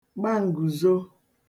gba ngùzo